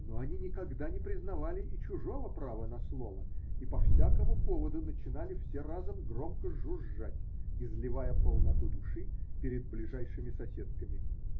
но они никогда не признавали и чужого права на слово и по всякому поводу начинали все разом громко жужжать, изливая полноту души перед ближайшими соседками.